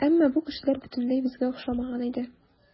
Әмма бу кешеләр бөтенләй безгә охшамаган иде.